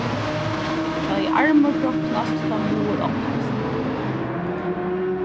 tá ið armur kropnast tá muður opnast